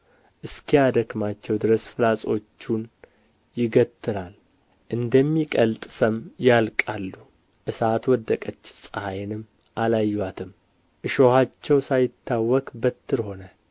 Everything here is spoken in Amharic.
እስኪያደክማቸው ድረስ ፍላጾቹን ይገትራል እንደሚቀልጥ ሰም ያልቃሉ እሳት ወደቀች ፀሐይንም አላዩአትም እሾኻችሁ ሳይታወቅ በትር ሆነ